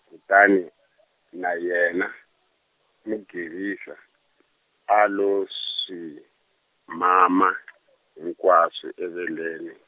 kutani, na yena, Mugevisa, a lo swi mama , hinkwaswo eveleni.